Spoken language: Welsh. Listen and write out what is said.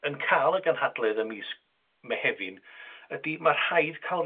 yn ca'l y ganhadledd ym mis Mehefin ydi ma' rhaid ca'l